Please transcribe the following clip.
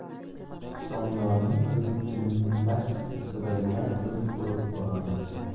doniyorning kuyi tungi dasht ustida yana jo'sh urib borardi